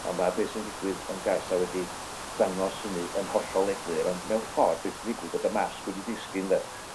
A ma' be' sy'n digwydd yn Gaza wedi dangos hynny yn hollol eglur, ond mewn ffor be' sy digwydd, bod y masg wedi disgyn de?